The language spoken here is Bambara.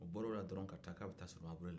o bɔra o la dɔrɔn k'a be taa solomabure la